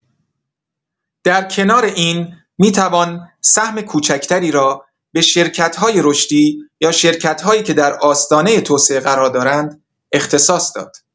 در کنار این، می‌توان سهم کوچک‌تری را به شرکت‌های رشدی یا شرکت‌هایی که در آستانه توسعه قرار دارند اختصاص داد.